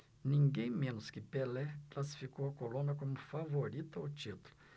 ninguém menos que pelé classificou a colômbia como favorita ao título